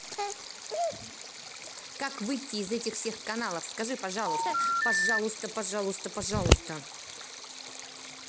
как выйти из этих всех каналов скажи пожалуйста пожалуйста пожалуйста пожалуйста